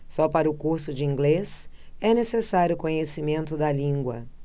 só para o curso de inglês é necessário conhecimento da língua